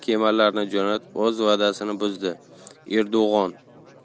kemalarni jo'natib o'z va'dasini buzdi erdo'g'on